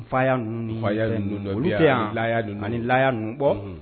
Faya nunnu nii faya nunnu dɔ bi yan olu tɛ yan a ani laya nunnu ani laya nunnu unhun bon